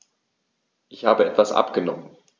Ich habe etwas abgenommen.